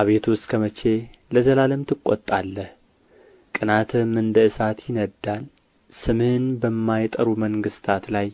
አቤቱ እስከ መቼ ለዘላለም ትቈጣለህ ቅንዓትህም እንደ እሳት ይነድዳል ስምህን በማይጠሩ መንግሥታት ላይ